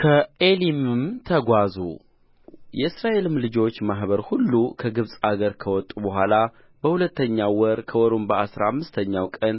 ከኤሊምም ተጓዙ የእስራኤልም ልጆች ማኅበር ሁሉ ከግብፅ አገር ከወጡ በኋላ በሁለተኛው ወር ከወሩም በአሥራ አምስተኛው ቀን